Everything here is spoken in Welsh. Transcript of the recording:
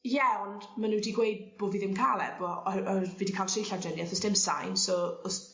iawn ma' n'w 'di gweud bo' fi ddim ca'l e bo- oherwy- oedd fi 'di ca'l tri llawdrinieth o's dim sign so ws